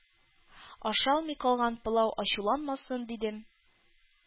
Ашалмый калган пылау ачуланмасын, дидем.